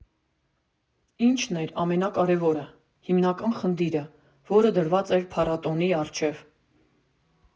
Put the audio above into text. Ինչն էր ամենակարևորը, հիմնական խնդիրը, որը դրված էր փառատոնի առջև։